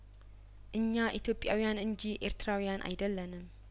እኛ ኢትዮጵያዊያን እንጂ ኤርትራዊያን አይደለንም